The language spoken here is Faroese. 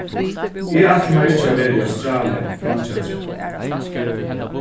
eg ætli mær ikki at verða í australia leingi aftrat